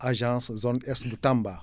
agence zone est bu Tamba